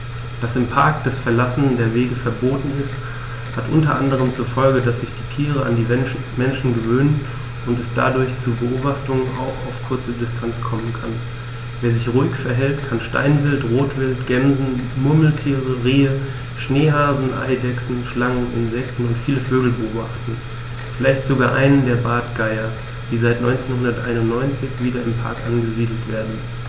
Dass im Park das Verlassen der Wege verboten ist, hat unter anderem zur Folge, dass sich die Tiere an die Menschen gewöhnen und es dadurch zu Beobachtungen auch auf kurze Distanz kommen kann. Wer sich ruhig verhält, kann Steinwild, Rotwild, Gämsen, Murmeltiere, Rehe, Schneehasen, Eidechsen, Schlangen, Insekten und viele Vögel beobachten, vielleicht sogar einen der Bartgeier, die seit 1991 wieder im Park angesiedelt werden.